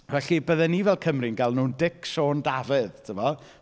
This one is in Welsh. Felly, bydden ni fel Cymry'n galw nhw'n Dic Sion Dafydd, timod?